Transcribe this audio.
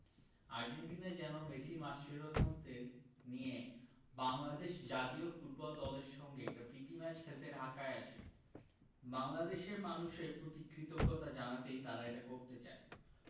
Argentina যেন Messi মাচেরানোদের নিয়ে বাংলাদেশ জাতীয় ফুটবল দলের সঙ্গে একটা প্রীতি ম্যাচ খেলতে ঢাকায় আসে বাংলাদেশের মানুষের প্রতি কৃতজ্ঞতা জানাতেই তারা এটা করতে চায়